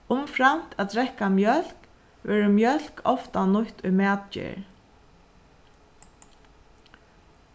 umframt at drekka mjólk verður mjólk ofta nýtt í matgerð